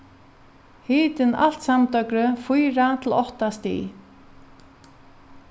hitin alt samdøgrið fýra til átta stig